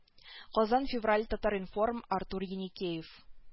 Казан февраль татар-информ артур еникеев